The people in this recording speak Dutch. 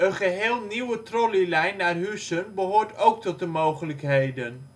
geheel nieuwe trolleylijn naar Huissen behoort ook tot de mogelijkheden